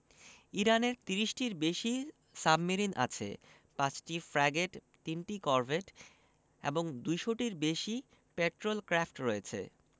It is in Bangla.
ইরানের ৩০টির বেশি সাবমেরিন আছে ৫টি ফ্র্যাগেট ৩টি করভেট এবং ২০০ টির বেশি পেট্রল ক্র্যাফট আছে